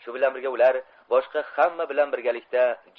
shu bilan birga ular boshqa hamma bilan birgalikda